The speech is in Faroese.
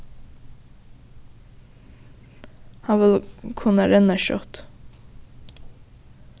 hann vil kunna renna skjótt